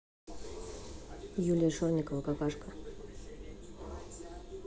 юлия шорникова какашка